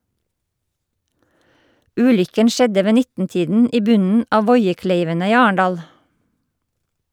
Ulykken skjedde ved 19-tiden i bunnen av Voiekleivene i Arendal.